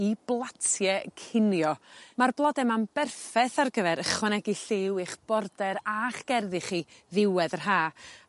i blatie cinio ma'r blode ma'n berffeth ar gyfer ychwanegu lliw i'ch border a'ch gerddi chi ddiwedd yr Ha.